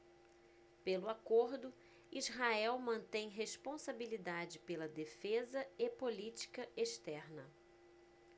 pelo acordo israel mantém responsabilidade pela defesa e política externa